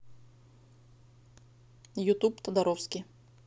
ютуб тодоровский